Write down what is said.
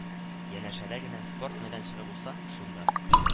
Янәшәдә генә спорт мәйданчыгы булса, шунда